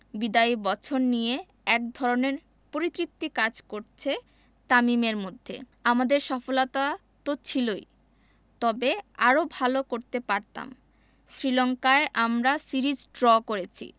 বিদায়ী বছর নিয়ে একধরনের পরিতৃপ্তি কাজ করছে তামিমের মধ্যে আমাদের সফলতা তো ছিলই তবে আরও ভালো করতে পারতাম শ্রীলঙ্কায় আমরা সিরিজ ড্র করেছি